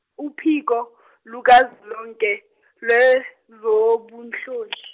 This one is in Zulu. uPhiko lukazwelonke lweZobunhloli.